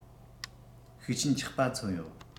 ཤུགས ཆེན ཆག པ མཚོན ཡོད